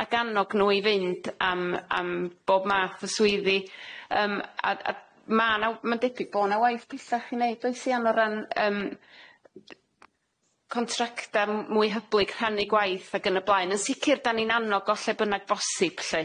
ag annog nw i fynd am am bob math o swyddi yym a a ma' naw- ma'n debyg bo' na waith pellach i neud oes iawn o ran yym contracta m- mwy hyblyg rhannu gwaith ag yn y blaen yn sicir dan ni'n annog o lle bynnag bosib lly.